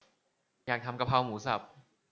อยากทำกะเพราหมูสับ